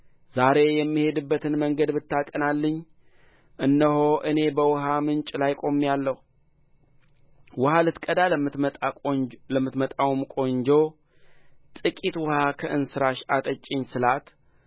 ዛሬ የምሄድበትን መንገዴን ብታቀናልኝ እነሆ እኔ በውኃው ምንጭ ላይ ቆሜአለሁ ውኃ ልትቀዳ ለምትመጣውም ቆንጆ ጥቂት ውኃ ከእንስራሽ አጠጪኝ ስላት